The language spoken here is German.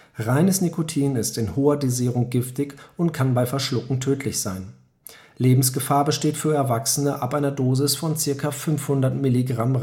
Reines Nikotin ist in hoher Dosierung giftig und kann bei Verschlucken tödlich sein. Lebensgefahr besteht für Erwachsene ab einer Dosis von ca. 500 mg reinem Nikotin